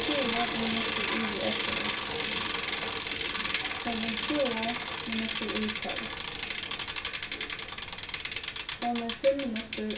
tjúgu minuttir yvir ellivu hon er tjúgu minuttir í tólv hon er fimm minuttir